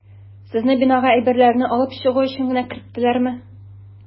Сезне бинага әйберләрне алып чыгу өчен генә керттеләрме?